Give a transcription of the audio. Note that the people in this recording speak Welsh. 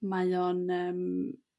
mae o'n yrm